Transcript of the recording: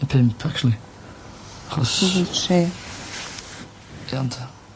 ne' pump actually 'chos... Ry' fi'n tri. Ia on' t'el